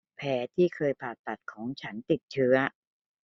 แผลที่เคยผ่าตัดของฉันติดเชื้อ